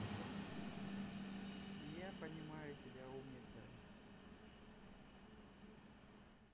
я понимаю тебя умница